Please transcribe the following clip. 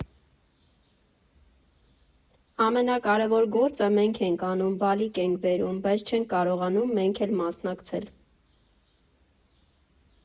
Ամենակարևոր գործը մենք ենք անում, բալիկ ենք բերում, բայց չենք կարողանում մենք էլ մասնակցել։